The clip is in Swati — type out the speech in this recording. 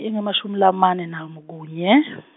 ingemashumi lamane nakunye .